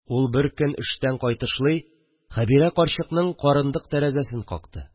Ул беркөн эштән кайтышлый хәбирә карчыкның карындык тәрәзәсен какты